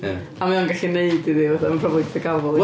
Ia... Mae o'n gallu wneud iddi fatha... ma'n probably gallu gafael...